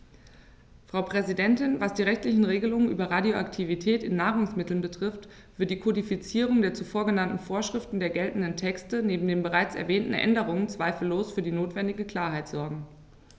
Frau Präsidentin, was die rechtlichen Regelungen über Radioaktivität in Nahrungsmitteln betrifft, wird die Kodifizierung der zuvor genannten Vorschriften der geltenden Texte neben den bereits erwähnten Änderungen zweifellos für die notwendige Klarheit sorgen.